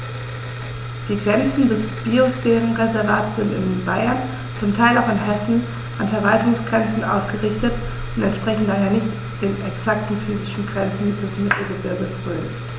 Die Grenzen des Biosphärenreservates sind in Bayern, zum Teil auch in Hessen, an Verwaltungsgrenzen ausgerichtet und entsprechen daher nicht exakten physischen Grenzen des Mittelgebirges Rhön.